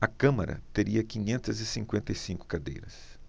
a câmara teria quinhentas e cinquenta e cinco cadeiras